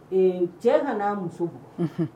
Ee cɛ ka n'a muso, unhun